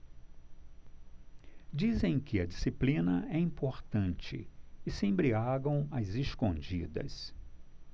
dizem que a disciplina é importante e se embriagam às escondidas